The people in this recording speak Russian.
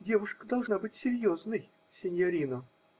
-- Девушка должна быть серьезной, синьорино.